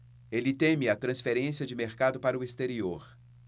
ele teme a transferência de mercado para o exterior